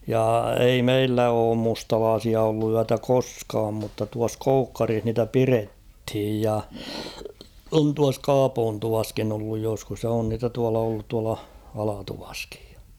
ja ei meillä ole mustalaisia ollut yötä koskaan mutta tuossa Koukkarissa niitä pidettiin ja on tuossa Kaapoontuvassakin ollut joskus ja on niitä tuolla ollut tuolla Alatuvassakin ja